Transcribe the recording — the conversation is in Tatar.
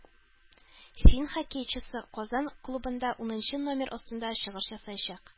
Фин хоккейчысы Казан клубында унынчы номер астында чыгыш ясаячак